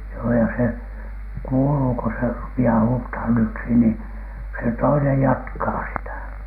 joo ja se kuuluu kun se rupeaa huutamaan yksi niin se toinen jatkaa sitä